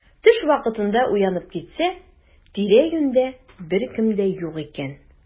Төш вакытында уянып китсә, тирә-юньдә беркем дә юк икән.